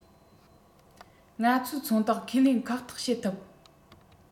ང ཚོའི ཚོང རྟགས ཁས ལེན ཁག ཐེག བྱེད ཐུབ